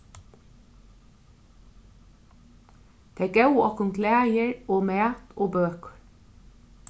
tey góvu okkum klæðir og mat og bøkur